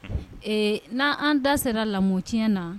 E n'an an da sera lamɔ tiɲɛ ma